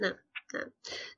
Na. Na.